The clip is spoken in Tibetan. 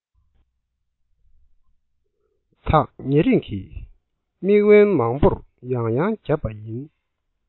ཐག ཉེ རིང གི དམིགས འབེན མང པོར ཡང ཡང བརྒྱབ པ ཡིན